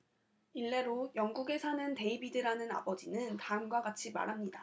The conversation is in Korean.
일례로 영국에 사는 데이비드라는 아버지는 다음과 같이 말합니다